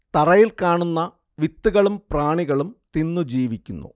തറയിൽ കാണുന്ന വിത്തുകളും പ്രാണികളും തിന്നു ജീവിക്കുന്നു